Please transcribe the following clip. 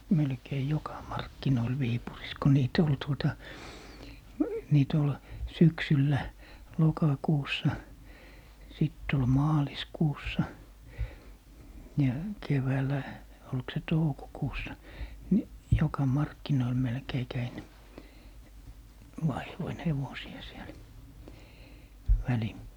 melkein joka markkinoilla Viipurissa kun niitä oli tuota niitä oli syksyllä lokakuussa sitten oli maaliskuussa ja keväällä oliko se toukokuussa niin joka markkinoilla melkein kävin vaihdoin hevosia siellä -